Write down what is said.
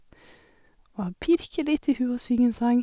Og jeg pirker litt i hu og synger en sang.